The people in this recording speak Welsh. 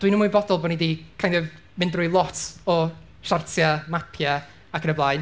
Dwi'n ymwybodol bod ni 'di kind of mynd drwy lot o siartiau, mapiau ac yn y blaen.